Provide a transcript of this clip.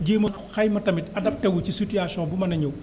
jéem a xayma tamit adapté wu ci situation bu mën a ñëw